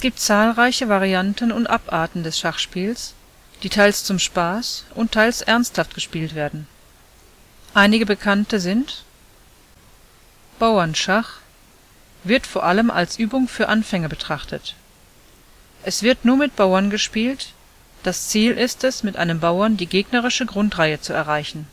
zahlreiche Varianten und Abarten des Schachspiels, die teils zum Spaß und teils ernsthaft gespielt werden. Einige bekannte sind: Bauernschach: wird vor allem als Übung für Anfänger betrachtet. Es wird nur mit Bauern gespielt, das Ziel ist es, mit einem Bauern die gegnerische Grundreihe zu erreichen